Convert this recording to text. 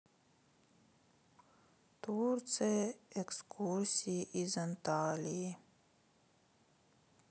турция экскурсии из анталии